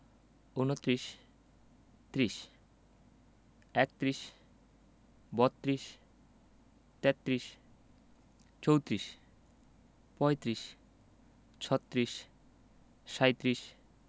২৯ -ঊনত্রিশ ৩০ - ত্রিশ ৩১ - একত্রিশ ৩২ - বত্ৰিশ ৩৩ - তেত্রিশ ৩৪ - চৌত্রিশ ৩৫ - পঁয়ত্রিশ ৩৬ - ছত্রিশ ৩৭ - সাঁইত্রিশ